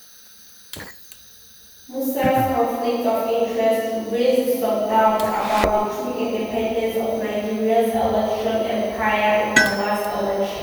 Musa’s conflict of interest raised some doubts about the true independence of Nigeria’s election umpire in the last election.